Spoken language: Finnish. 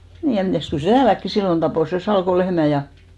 niin ja mitäs kyllä se täälläkin silloin tappoi sen Salkon lehmän ja